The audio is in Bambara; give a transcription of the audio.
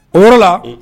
O yɔrɔ la